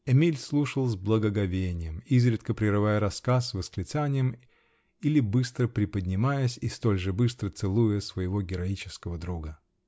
Эмиль слушал с благоговением, изредка прерывая рассказ восклицанием или быстро приподнимаясь и столь же быстро целуя своего героического друга.